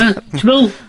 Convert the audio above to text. Na? Ti me'wl?